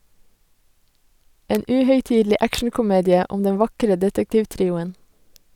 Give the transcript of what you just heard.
En uhøytidelig actionkomedie om den vakre detektivtrioen.